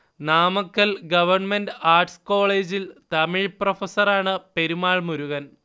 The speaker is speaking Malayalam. നാമക്കൽ ഗവൺമെന്റ് ആർട്സ് കോളേജിൽ തമിഴ് പ്രഫസറാണ് പെരുമാൾ മുരുഗൻ